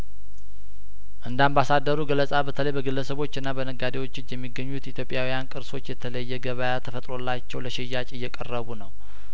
እንደ አምባሳደሩ ገለጻ በተለይበግለሰቦችና በነጋዴዎች እጅ የሚገኙት ኢትዮጵያውያን ቅርሶች የተለየ ገበያ ተፈጥሮላቸው ለሽያጭ እየቀረቡ ነው